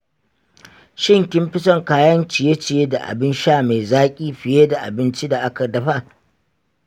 shin kin fi son kayan ciye-ciye da abin sha mai zaki fiye da abinci da aka dafa?